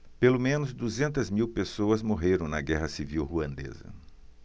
pelo menos duzentas mil pessoas morreram na guerra civil ruandesa